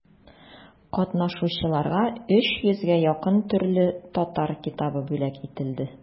Катнашучыларга өч йөзгә якын төрле татар китабы бүләк ителде.